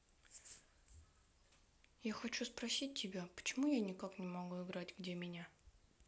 я хочу спросить тебя почему я никак не могу играть где меня